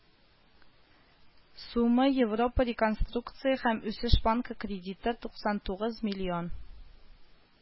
Сумы европа реконструкция һәм үсеш банкы кредиты, туксан тугыз миллион